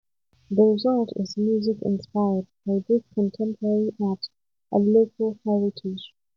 The result is music inspired by both contemporary art and local heritage.